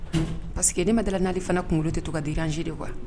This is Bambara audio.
Paseke ne ma dalala n'li fana kunkolo tɛ to ka diranji de kuwa